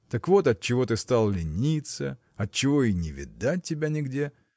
Так вот отчего ты стал лениться, от этого и не видать тебя нигде.